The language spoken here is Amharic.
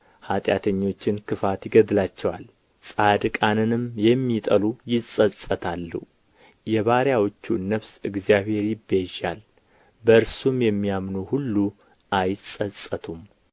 ኃጢአተኞችን ክፋት ይገድላቸዋል ጻድቃንንም የሚጠሉ ይጸጸታሉ የባሪያዎቹን ነፍስ እግዚአብሔር ይቤዣል በእርሱም የሚያምኑ ሁሉ አይጸጸቱም